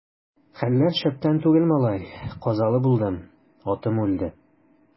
Хәлләр шәптән түгел, малай, казалы булдым, атым үлде.